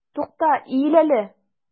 Тукта, иел әле!